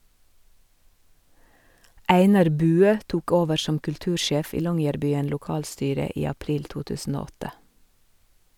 Einar Buø tok over som kultursjef i Longyearbyen lokalstyre i april 2008.